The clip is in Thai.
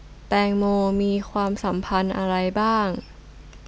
แตงโมมีความสัมพันธ์อะไรบ้าง